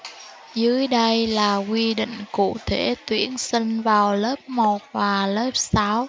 dưới đây là quy định cụ thể tuyển sinh vào lớp một và lớp sáu